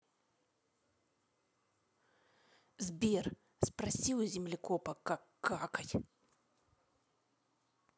сбер спроси у землекопа как какать